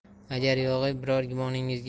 agar yog'iy biror gumoningizga